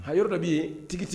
A yɔrɔ dɔ bɛ yen tigitigi